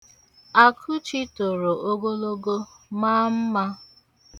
Akụchi toro ogologo maa mma.